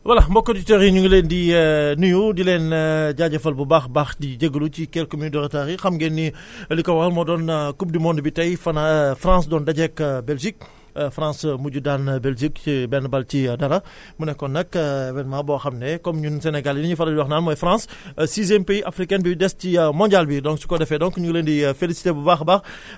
voilà mbokku auditeurs yi ñu ngi leen di nuyu di leen jaajëfal bu baax a baax di jégalu ci quelques minutes de retard yi xam ngeen ni li ko waral moo doon coupe du monde bi tey France doon dajeeg Belgique France mujj daan Belgique si benn bal ci dara mu nekkoon nag événement boo xam ne comme ñun Sénégal li ñuy faral di wax naan mooy France sixième pays africaine bu des ci mondial bi donc su ko defee donc ñu ngi leen di félicité bu baax a baax